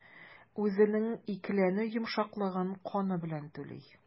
Үзенең икеләнү йомшаклыгын каны белән түли.